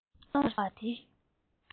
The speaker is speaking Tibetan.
སློབ གྲྭར སོང བ དེ